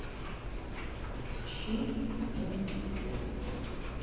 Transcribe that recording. включи пинк флойд